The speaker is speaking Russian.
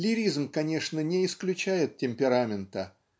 Лиризм, конечно, не исключает темперамента